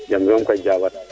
jem soom ka jawara